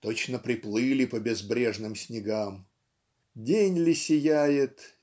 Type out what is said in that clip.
точно приплыли по безбрежным снегам" день ли сияет